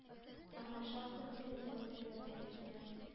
Аңа шактый кыен юл үтәргә туры килә.